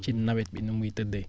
ci nawet bi ni muy tëddee